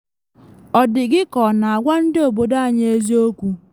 “Ọ dị gị ka ọ na agwa ndị obodo anyị eziokwu?